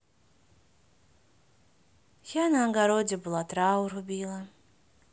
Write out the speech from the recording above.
я на огороде была траур убила